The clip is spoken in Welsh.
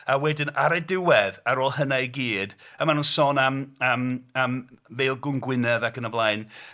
A wedyn ar y diwedd, ar ôl hynna i gyd, mae nhw'n sôn am, am, Maelgwn Gwynedd ac yn y blaen.